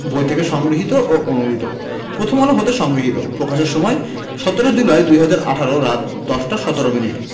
বই থেকে সংগৃহীত ও অনূদিত প্রথম আলো হতে সংগৃহীত প্রকাশের সময় ১৭ জুলাই ২০১৮ রাত ১০টা ১৭ মিনিট